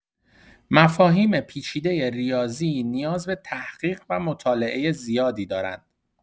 مفاهیم پیچیده ریاضی نیاز به تحقیق و مطالعه زیادی دارند.